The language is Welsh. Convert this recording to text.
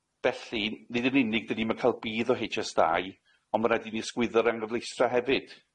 Felly nid yn unig 'dyn ni'm yn ca'l budd o Haitch Ess Dau, ond ma' raid i ni ysgwyddo'r anghyfleustra hefyd.